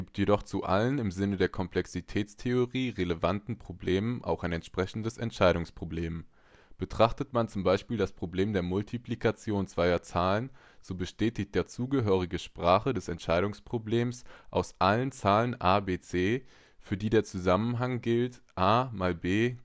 jedoch zu allen im Sinne der Komplexitätstheorie relevanten Problemen auch ein entsprechendes Entscheidungsproblem. Betrachtet man zum Beispiel das Problem der Multiplikation zweier Zahlen, so besteht die dazugehörige Sprache des Entscheidungsproblems aus allen Zahlen-Tripeln (a, b, c) {\ displaystyle (a, b, c)} für die der Zusammenhang a ⋅ b = c {\ displaystyle a \ cdot b = c} gilt. Die